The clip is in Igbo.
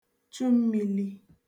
chu mmīlī